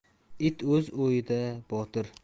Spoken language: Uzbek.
it o'z uyida botir